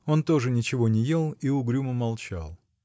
Он тоже ничего не ел и угрюмо молчал.